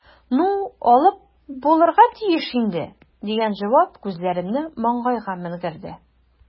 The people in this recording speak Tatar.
"ну, алып булырга тиеш инде", – дигән җавап күзләремне маңгайга менгерде.